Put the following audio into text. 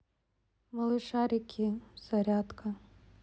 малышарики зарядка